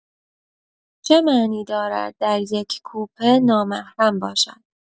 چه معنی دارد در یک کوپه نامحرم باشد!